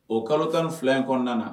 O kalo tan ni fila in kɔnɔna na